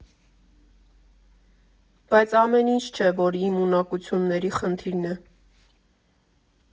Բայց ամեն ինչ չէ, որ իմ ունակությունների խնդիրն է։